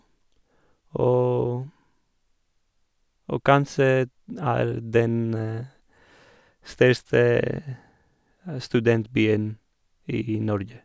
og Og kanskje dn er den største studentbyen i Norge.